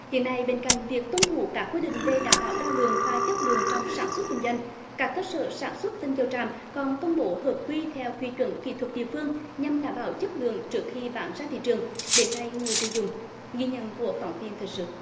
hiện nay bên cạnh việc tuân thủ các quy định về đảm bảo đo lường và chất lượng trong sản xuất kinh doanh các cơ sở sản xuất tinh dầu tràm còn công bố hợp quy theo quy chuẩn kỹ thuật địa phương nhằm đảm bảo chất lượng trước khi bán ra thị trường đến tay người tiêu dùng ghi nhận của phóng viên thời sự